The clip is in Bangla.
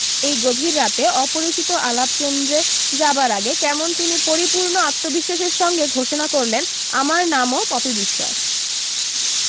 এই গভীর রাতে অপরিচিত আলাপ কেন্দ্রে যাবার আগে কেমন তিনি পরিপূরণ আত্মবিশ্বাসের সঙ্গে ঘোষণা করলেন আমার নামও পপি বিশ্বাস